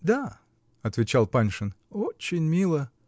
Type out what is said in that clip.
-- Да, -- отвечал Паншин, -- очень мило.